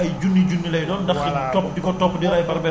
est ce que loolu du métti parce que su fekkee nee nga ay junni junni lay doon